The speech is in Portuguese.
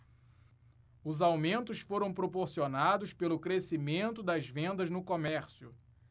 os aumentos foram proporcionados pelo crescimento das vendas no comércio